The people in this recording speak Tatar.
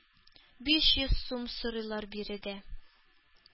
Биш йөз сум сорыйлар биредә.